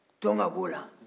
tɔnka b'o la